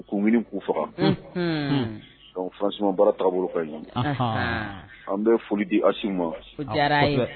' k'u faga fa sumaumabara tarawele bolo fɛ ɲa an bɛ foli di asiw ma